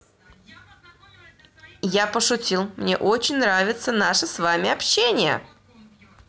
я пошутил мне очень нравится наше с вами общение